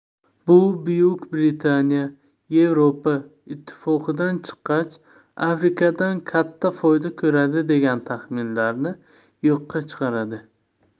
bu buyuk britaniya yevropa ittifoqidan chiqqach afrikadan katta foyda ko'radi degan taxminlarni yo'qqa chiqaradi